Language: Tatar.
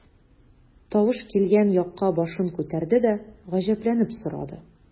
Тавыш килгән якка башын күтәрде дә, гаҗәпләнеп сорады.